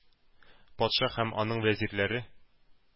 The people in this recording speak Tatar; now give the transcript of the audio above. Патша һәм аның вәзирләре,